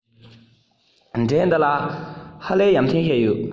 འབྲས འདི ལ ཧ ལས ཡ མཚན ཞིག ཡོད